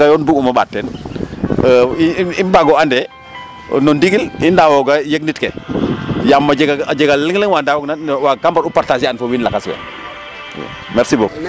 Kaaga yo bug'um o ɓaateen i mbaag o ande no ndigil i ndaawooga yegnit ke yaam a jega leŋ leŋ wa ndaawoogna ndaa waaga ga mbar'u partager an fo wiin lakas we i merci beaucoup.